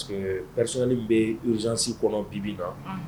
Parce que garisiani bɛ zsansi kɔnɔ bibi na